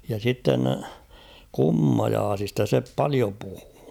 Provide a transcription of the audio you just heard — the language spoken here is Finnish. ja sitten kummajaisista se paljon puhui